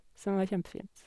Som var kjempefint.